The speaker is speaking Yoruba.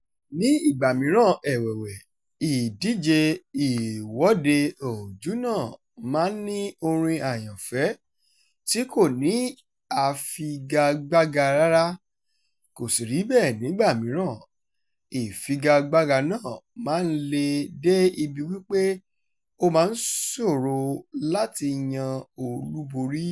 Ní ìgbà mìíràn ẹ̀wẹ̀wẹ̀, ìdíje Ìwọ́de Ojúnà máa ń ní orin àyànfẹ́ tí kò ní afigagbága rárá; kò sí rí bẹ́ẹ̀ nígbà mìíràn, ìfigagbága náà máa ń le dé ibi wípé ó máa ń ṣòro láti yan olúborí.